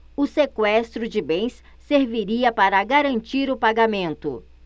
o sequestro de bens serviria para garantir o pagamento